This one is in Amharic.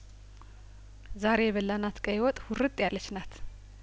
ዛሬ የበላናት ቀይወጥ ሁርጥ ያለች ናት